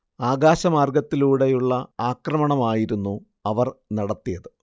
ആകാശമാർഗ്ഗത്തിലൂടെയുള്ള ആക്രമണമായിരുന്നു അവർ നടത്തിയത്